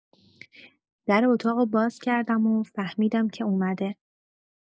در اتاقو باز کردم و فهمیدم که اومده